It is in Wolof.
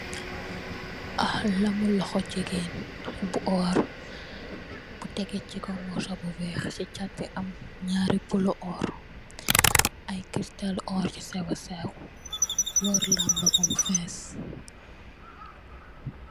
Lamuu loxo jigéen bi orr, bu teggé si kow morso bu weex, si cat bi am, Pulo orr, ay orr yu sewa sew, work lam bi bam fees.